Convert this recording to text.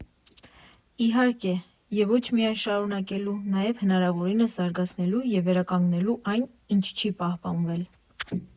Իհարկե, և ոչ միայն շարունակելու, նաև հնարավորինս զարգացնելու և վերականգնելու այն, ինչը չի պահպանվել։